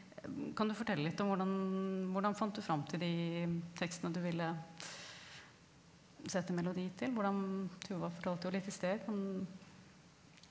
kan du fortelle litt om hvordan hvordan fant du fram til de tekstene du ville sette melodi til hvordan Tuva fortalte jo litt i sted kan?